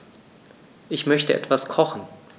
Ich möchte etwas kochen.